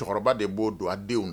Cɛkɔrɔba de b'o don a denw